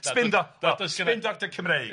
Sbin doc- sbin Doctor Cymreig.